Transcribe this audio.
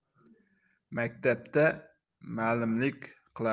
maktabda malimlik qiladi